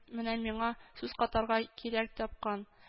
Менә миңа сүз катарга кирәк тапкан